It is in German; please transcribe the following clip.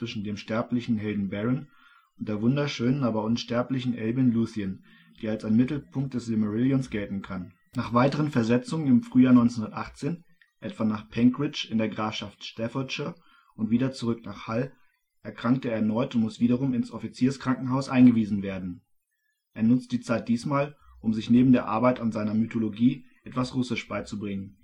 dem sterblichen Helden Beren und der wunderschönen, aber unsterblichen Elbin Lúthien, die als ein Mittelpunkt des Silmarillions gelten kann. Nach weiteren Versetzungen im Frühjahr 1918, etwa nach Penkridge in der Grafschaft Staffordshire und wieder zurück nach Hull, erkrankt er erneut und muss wiederum ins Offizierskrankenhaus eingewiesen werden. Er nutzt die Zeit diesmal, um sich neben der Arbeit an seiner Mythologie etwas Russisch beizubringen